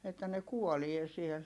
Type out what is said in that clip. että ne kuolee siellä